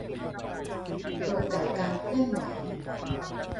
ตรวจจับการเคลื่อนไหว